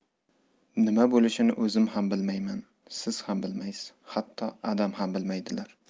nima bo'lishini o'zim ham bilmayman siz ham bilmaysiz hatto adam ham bilmaydilar